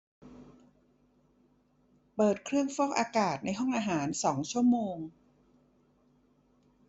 เปิดเครื่องฟอกอากาศในห้องอาหารสองชั่วโมง